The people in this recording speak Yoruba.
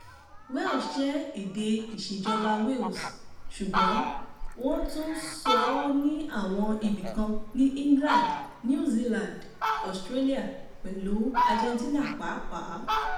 Welsh jẹ́ èdè ìṣèjọba Wales, ṣùgbọ́n wọ́n tún ń sọ ọ́ ní àwọn ibìkan ní England, New Zealand Australia pẹ̀lú Argentina pàápàá.